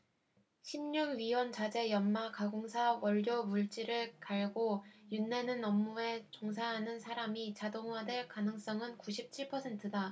십 육 위원자재 연마 가공사 원료물질을 갈고 윤내는 업무에 종사하는 사람이 자동화될 가능성은 구십 칠 퍼센트다